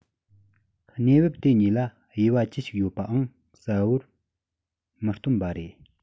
གནས བབ དེ གཉིས ལ དབྱེ བ ཅི ཞིག ཡོད པའང གསལ པོར མི སྟོན པ རེད